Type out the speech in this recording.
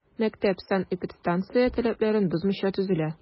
Мәктәп санэпидстанция таләпләрен бозмыйча төзелә.